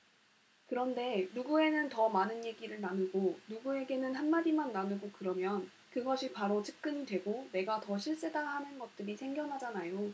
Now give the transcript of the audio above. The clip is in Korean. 그런데 누구에는 더 많은 얘기를 나누고 누구에게는 한 마디만 나누고 그러면 그것이 바로 측근이 되고 내가 더 실세다 하는 것들이 생겨나잖아요